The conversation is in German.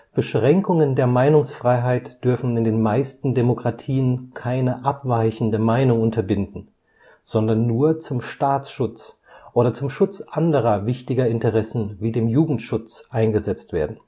Beschränkungen der Meinungsfreiheit dürfen in den meisten Demokratien keine abweichende Meinung unterbinden, sondern nur zum Staatsschutz oder zum Schutz anderer wichtiger Interessen wie dem Jugendschutz eingesetzt werden